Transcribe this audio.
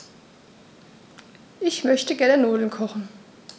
Ich möchte gerne Nudeln kochen.